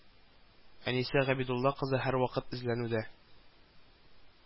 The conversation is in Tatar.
Әнисә Габидулла кызы һәрвакыт эзләнүдә